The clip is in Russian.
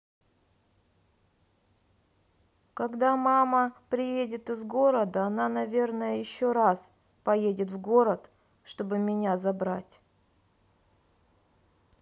когда мама приедет из города она наверное еще раз поедет в город чтобы меня забрать